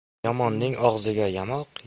yomonning og'ziga yamoq